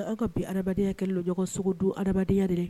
Aw ka bi adamadenya kɛle don ɲɔgɔn sogo dun adamadenya de ye!